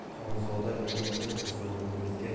xonzoda begimni huzuringizga